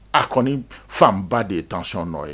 A kɔni fanba de ye tcɔn nɔ ye